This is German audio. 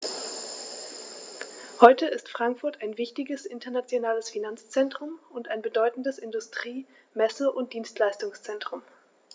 Heute ist Frankfurt ein wichtiges, internationales Finanzzentrum und ein bedeutendes Industrie-, Messe- und Dienstleistungszentrum.